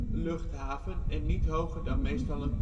luchthaven, en niet hoger dan (meestal